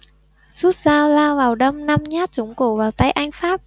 rút dao lao vào đâm năm nhát trúng cổ và tay anh pháp